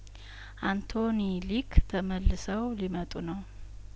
አንቶኒ ሊክ ተመልሰው ሊመጡ ነው